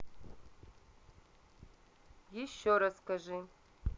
еще расскажи